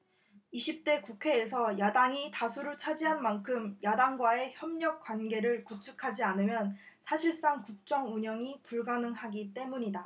이십 대 국회에서 야당이 다수를 차지한 만큼 야당과의 협력관계를 구축하지 않으면 사실상 국정 운영이 불가능하기 때문이다